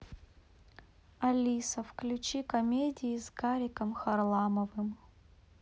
алиса включи комедии с гариком харламовым